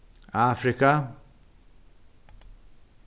afrika